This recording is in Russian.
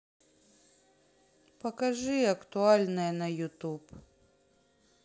покажи актуальное на ютуб